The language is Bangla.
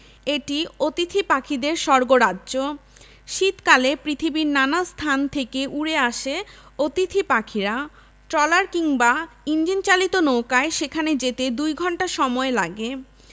এটি অতিথি পাখিদের স্বর্গরাজ্য শীতকালে পৃথিবীর নানা স্থান থেকে উড়ে আসে অতিথি পাখিরা ট্রলার কিংবা ইঞ্জিনচালিত নৌকায় সেখানে যেতে দুই ঘণ্টা সময় লাগে